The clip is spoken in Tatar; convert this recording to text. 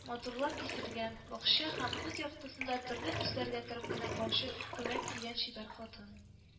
Матурлап киселгән бакча һәм ут яктысында төрле төсләргә кереп уйнаклаучы күлмәк кигән чибәр хатын